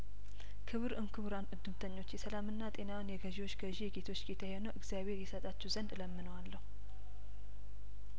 ክቡር እም ክቡራን እድምተኞቼ ሰላምና ጤናውን የገዢዎች ገዢ የጌቶች ጌታ የሆነው እግዚአብሄር ይሰጣችሁ ዘንድ እለምነዋለሁ